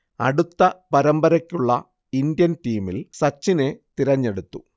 അടുത്ത പരമ്പരക്കുള്ള ഇന്ത്യൻ ടീമിൽ സച്ചിനെ തിരഞ്ഞെടുത്തു